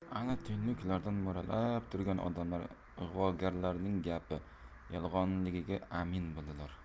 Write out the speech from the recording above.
ana tuynuklardan mo'ralab turgan odamlar ig'vogarlarning gapi yolg'onligiga amin bo'lsinlar